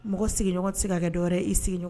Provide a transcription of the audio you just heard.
Mɔgɔ sigiɲɔgɔn tɛ se ka kɛ dɔwɛrɛ ye, i sigi ɲɔgɔn